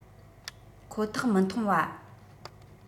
ཁོ ཐག མི འཐུང བ